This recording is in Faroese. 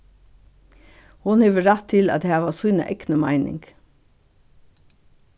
hon hevur rætt til at hava sína egnu meining